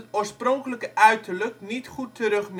oorspronkelijke uiterlijk niet goed terug